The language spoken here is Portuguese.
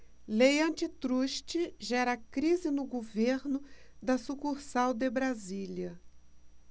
lei antitruste gera crise no governo da sucursal de brasília